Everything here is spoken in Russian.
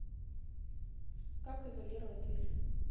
как изолировать дверь